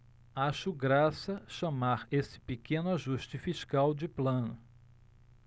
acho graça chamar esse pequeno ajuste fiscal de plano